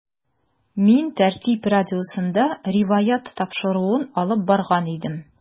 “мин “тәртип” радиосында “риваять” тапшыруын алып барган идем.